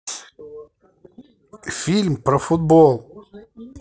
фильм про футбол